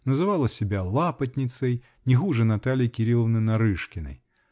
называла себя работницей, не хуже Натальи Кирилловны Нарышкиной .